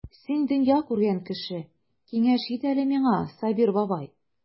Син дөнья күргән кеше, киңәш ит әле миңа, Сабир бабай.